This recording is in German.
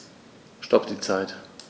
Stopp die Zeit